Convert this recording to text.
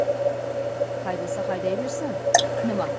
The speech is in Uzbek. haydasa haydayversin nima